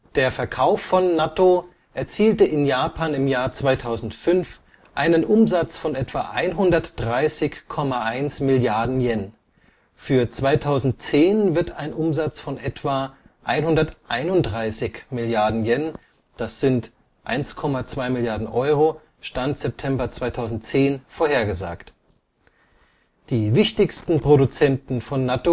Der Verkauf von Nattō erzielte in Japan 2005 einen Umsatz von etwa 130,1 Milliarden Yen, für 2010 wird ein Umsatz von etwa 131,0 Milliarden Yen (ca. 1,2 Milliarden Euro, Stand September 2010) vorhergesagt. Die wichtigsten Produzenten von Nattō